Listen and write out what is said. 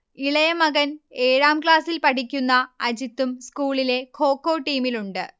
ഇളയമകൻ ഏഴാം ക്ലാസിൽ പഠിക്കുന്ന അജിത്തും സ്കൂളിലെ ഖോഖൊ ടീമിലുണ്ട്